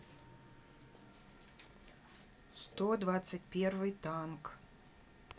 сто двадцать первый танк